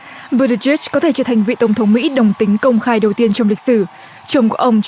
có thể trở thể trở thành vị tổng thống mỹ đồng tính công khai đầu tiên trong lịch sử chồng của ông